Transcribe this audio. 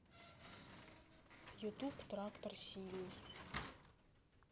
ютуб трактор синий